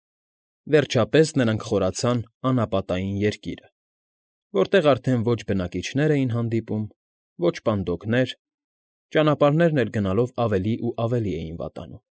Վերջապես նրանք խորացան Անապատային Երկիրը, որտեղ արդեն ոչ բնակիչներ էին հանդիպում, որ պատնդոկներ, ճանապարհներն էլ գնալով ավելի ու ավելի էին վատանում։